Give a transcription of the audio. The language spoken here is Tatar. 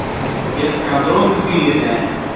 "эскадрон" көенә.